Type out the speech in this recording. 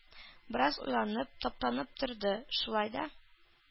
Бераз уйланып, таптанып торды, шулай да